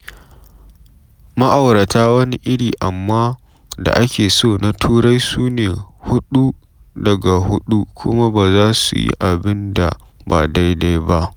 Ma’aurata wani iri amma da ake so na Turai su ne huɗu daga huɗu kuma ba za su yi abin da ba daidai ba.